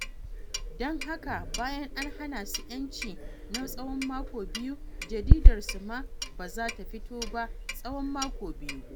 Don haka, bayan an hana su 'yanci na tsawon mako biyu, jaridarsu ma ba za ta fito ba tsawon mako biyu.